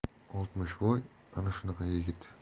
oltmishvoy ana shunaqa yigit